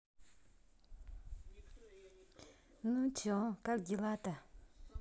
ну че как дела то